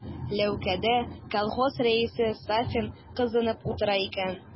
Ләүкәдә колхоз рәисе Сафин кызынып утыра икән.